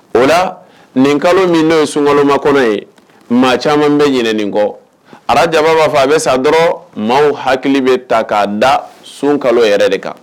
O la nin kalo min' ye sun kɔnɔma kɔnɔ ye maa caman bɛ ɲin nin kɔ araba jaba b'a fɔ a bɛ sa dɔrɔn maaw hakili bɛ ta k'a da sun kalo yɛrɛ de kan